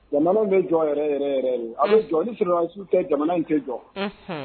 Jamana bɛ jɔ bɛ jɔ ni sirisiw tɛ jamana in kɛ jɔ